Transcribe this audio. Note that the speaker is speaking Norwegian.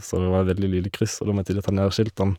Så det var et veldig lite kryss, og da måtte de ta ned skiltene.